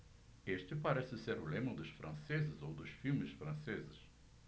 este parece ser o lema dos franceses ou dos filmes franceses